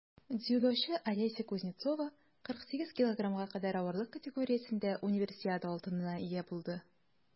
Дзюдочы Алеся Кузнецова 48 кг кадәр авырлык категориясендә Универсиада алтынына ия булды.